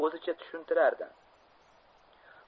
o'zicha tushuntirardi